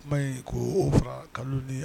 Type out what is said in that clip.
Kuma in ko o fara kalo de ye